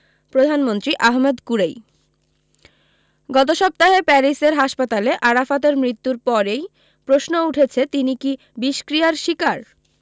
প্রধানমন্ত্রী Ahmed Qurei গত সপ্তাহে প্যারিসের হাসপাতালে আরাফতের মৃত্যুর পরেই প্রশ্ন উঠেছে তিনি কী বিষক্রিয়ার শিকার